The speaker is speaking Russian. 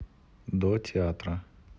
до театра